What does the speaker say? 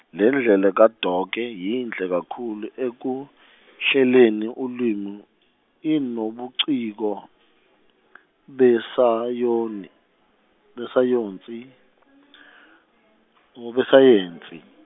lendlela ka- Doke yinhle kakhulu ekuhleleni ulimi inobuciko, besayoni- besayonsi o besayensi.